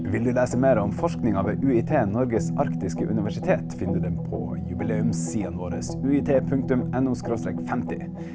vil du lese mer om forskninga ved UiT Norges arktiske universitet finner du den på jubileumssidene våre UiT punktum N O skråstrek femti.